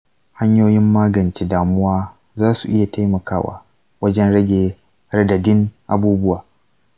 hanyoyin magance damuwa za su iya taimakawa wajen rage radadin abubuwa.